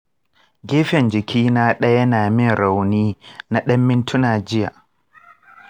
gefen jikina ɗaya ya min rauni na ɗan mintina jiya.